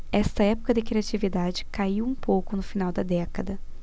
esta época de criatividade caiu um pouco no final da década